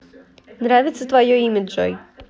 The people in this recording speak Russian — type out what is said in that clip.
нравится твое имя джой